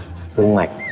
khuôn mặt